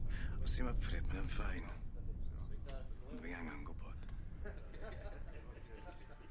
Os ti'm up for it mae o'n fine, ond dwi angan gwbod.